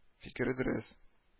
Фикере дөрес